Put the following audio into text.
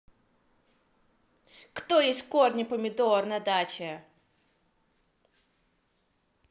кто есть корни помидор на даче